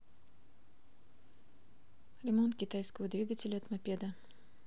ремонт китайского двигателя от мопеда